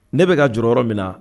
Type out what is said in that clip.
Ne bɛka ka jɔyɔrɔ yɔrɔ min